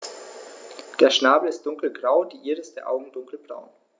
Der Schnabel ist dunkelgrau, die Iris der Augen dunkelbraun.